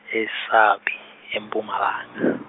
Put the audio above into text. eSabie, eMpumalanga.